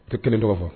Tɛ kelen tɔgɔ fɔ